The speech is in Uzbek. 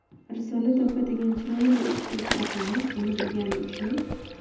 risolat opa degan chiroyli o'qituvchiopamiz buni bilgani uchun